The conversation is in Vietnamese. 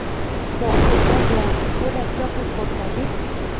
mỗi một giai đoạn tôi đặt cho mình một cái đích